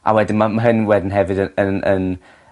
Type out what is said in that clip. a wedyn ma' ma' hyn yn wedyn hefyd yn yn yn